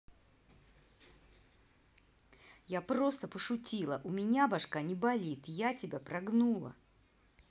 я просто пошутила у меня башка не болит я тебя прогнула